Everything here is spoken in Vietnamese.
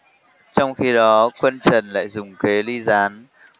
trong khi đó quân trần lại dùng kế ly gián